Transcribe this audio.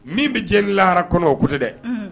Min bɛ jeli lahara kɔnɔ o ko di dɛ